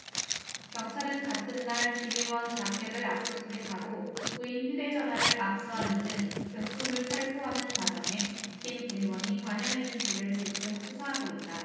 경찰은 같은 날 김 의원 자택을 압수수색하고 부인 휴대전화를 압수하는 등 금품을 살포하는 과정에 김 의원이 관여했는지를 집중 수사하고 있다